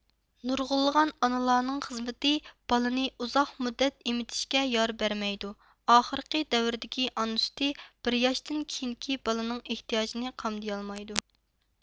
نۇرغۇنلىغان ئانىلارنىڭ خىزمىتى بالىنى ئۇزاق مۇددەت ئېمتىشكە يار بەرمەيدۇ ئاخىرقى دەۋردىكى ئانا سۈتى بىر ياشتىن كېيىنكى بالىنىڭ ئېھتىياجىنى قامدىيالمايدۇ